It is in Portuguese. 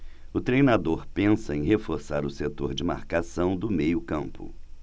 o treinador pensa em reforçar o setor de marcação do meio campo